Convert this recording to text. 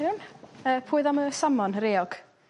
Iawn yy pwy o'dd am y salmon yr eog?